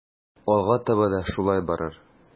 Алга таба да шулай барыр.